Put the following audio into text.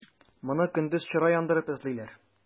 Моны көндез чыра яндырып эзлиләр.